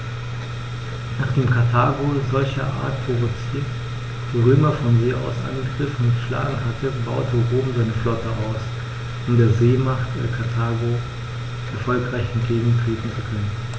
Nachdem Karthago, solcherart provoziert, die Römer von See aus angegriffen und geschlagen hatte, baute Rom seine Flotte aus, um der Seemacht Karthago erfolgreich entgegentreten zu können.